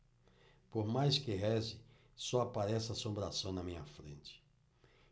por mais que reze só aparece assombração na minha frente